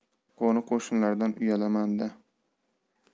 qo'ni qo'shnilardan uyalaman da